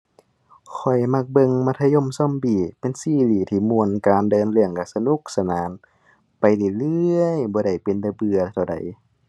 ข้อยมักเบิ่งมัธยมซอมบี เป็นซีรีส์ที่ม่วนการเดินเรื่องก็สนุกสนาน ไปเรื่อยเรื่อย บ่ได้เป็นตาเบื่อเท่าใด